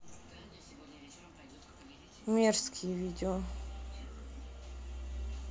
мерзкие видео